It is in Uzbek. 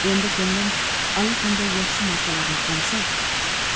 endi ko'nglim alla qanday yaxshi narsalarni qo'msab